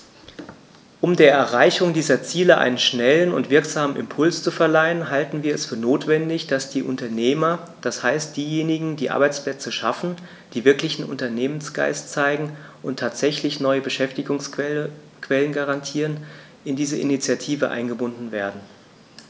Um der Erreichung dieser Ziele einen schnellen und wirksamen Impuls zu verleihen, halten wir es für notwendig, dass die Unternehmer, das heißt diejenigen, die Arbeitsplätze schaffen, die wirklichen Unternehmergeist zeigen und tatsächlich neue Beschäftigungsquellen garantieren, in diese Initiative eingebunden werden.